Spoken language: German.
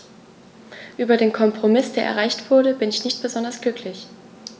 Über den Kompromiss, der erreicht wurde, bin ich nicht besonders glücklich.